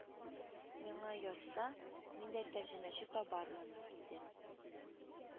Миңа язса, мин дә тәрҗемәче табармын , диде